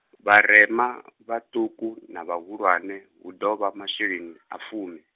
vharema vhaṱuku na vhahulwane, hu ḓo vha masheleni a fumi.